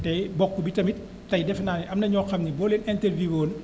te bokk bi tamit tey defe naa ni am na ñoo xam ne boo leen intervievé woon